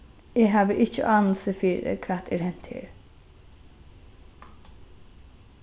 eg havi ikki ánilsi fyri hvat er hent her